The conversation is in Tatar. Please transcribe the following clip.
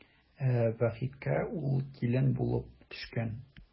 Ә Вахитка ул килен булып төшкән.